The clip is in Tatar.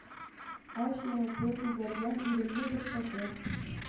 Ач яңаклы, күгәргән иренле бер шәкерт